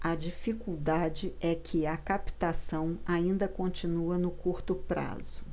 a dificuldade é que a captação ainda continua no curto prazo